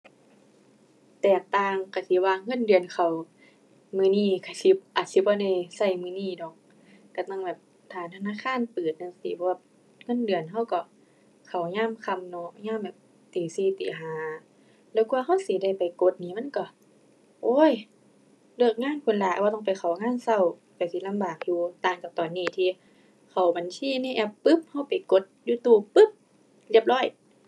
แตกต่างก็ที่ว่าเงินเดือนเข้ามื้อนี้ก็สิ อาจสิบ่ได้ก็มื้อนี้ดอก ก็ต้องแบบท่าธนาคารเปิดจั่งซี้ เพราะเงินเดือนก็ก็เข้ายามค่ำเนาะ ยามแบบตีสี่ตีห้า แล้วกว่าก็สิได้ไปกดนี่มันก็ โอ้ย เลิกงานพู้นล่ะ เพราะต้องไปเข้างานก็ ก็สิลำบากอยู่ ต่างจากตอนนี้ที่เข้าบัญชีในแอปปึ๊บ ก็ไปกดอยู่ตู้ปึ๊บ เรียบร้อย